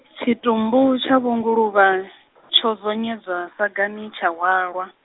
tshitumbu tsha Vho Nguluvhe , tsho zonyedzwa, sagani, tsha hwalwa.